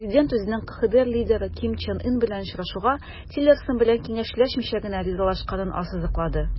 Президент үзенең КХДР лидеры Ким Чен Ын белән очрашуга Тиллерсон белән киңәшләшмичә генә ризалашканын ассызыклады.